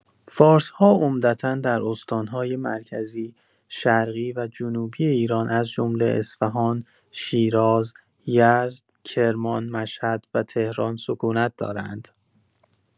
فارس‌ها عمدتا در استان‌های مرکزی، شرقی و جنوبی ایران از جمله اصفهان، شیراز، یزد، کرمان، مشهد و تهران سکونت دارند.